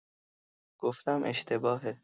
گفتم اشتباهه.